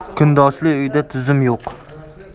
kundoshli uyda to'zim yo'q